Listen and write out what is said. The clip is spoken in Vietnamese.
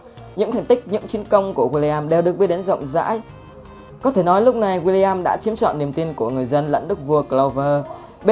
những thành tích những chiến công của william đều được biết đến rộng rãi có thể nói lúc này william đã chiếm trọn niềm tin của người dân lẫn đức vua clover